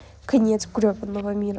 конец гребаного мира